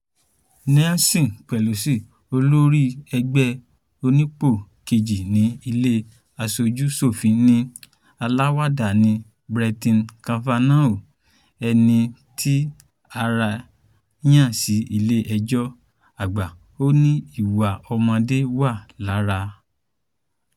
Nancy Pelosi, Olórí Ẹgbẹ́ Onípò Kejì ní Ilé aṣojú-ṣòfin, ní ‘aláwàdà’ ni Brett Kavanaugh, eni tí ààre yàn sí Ilé-ẹjọ́ Àgbà. Ó ní ìwà ọmọdé wà làráà.